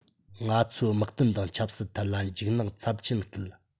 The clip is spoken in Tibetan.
ང ཚོའི དམག དོན དང ཆབ སྲིད ལ འཇིགས སྣང ཚབས ཆེན བསྐུལ